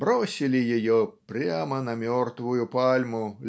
бросили ее "прямо на мертвую пальму